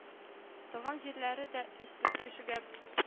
Торган җирләре дә өч-дүрт кешегә